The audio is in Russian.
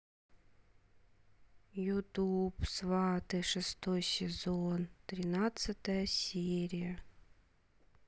ютуб сваты шестой сезон тринадцатая серия